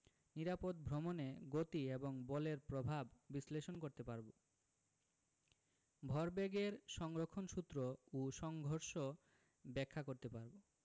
নিরাপদ ভ্রমণে গতি এবং বলের প্রভাব বিশ্লেষণ করতে পারব ভরবেগের সংরক্ষণ সূত্র ও সংঘর্ষ ব্যাখ্যা করতে পারব